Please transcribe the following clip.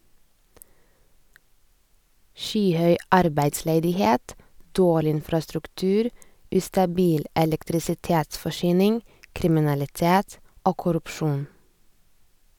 Skyhøy arbeidsledighet, dårlig infrastruktur, ustabil elektrisitetsforsyning, kriminalitet og korrupsjon.